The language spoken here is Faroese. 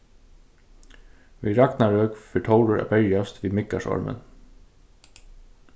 við ragnarøk fer tórur at berjast við miðgarðsormin